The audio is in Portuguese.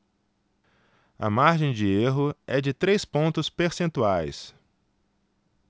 a margem de erro é de três pontos percentuais